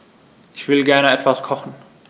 Ich will gerne etwas kochen.